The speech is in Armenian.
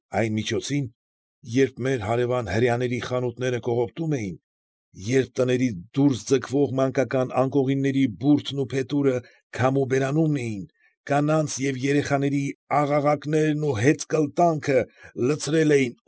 Այն միջոցին, երբ մեր հարևան հրեաների խանութները կողոպտում էին, երբ տներից դուրս ձգվող մանկական անկողինների բուրդն ու փետուրը քամու բերանումն էին, կանանց և երեխաների աղաղակներն ու հեծկլտանքը լեցրել էին։